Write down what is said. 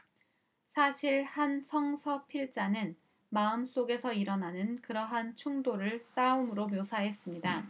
사실 한 성서 필자는 마음속에서 일어나는 그러한 충돌을 싸움으로 묘사했습니다